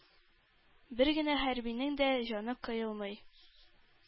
Бер генә хәрбинең дә җаны кыелмый.